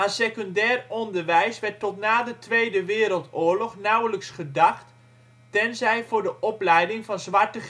secundair onderwijs werd tot na de Tweede Wereldoorlog nauwelijks gedacht, tenzij voor de opleiding van zwarte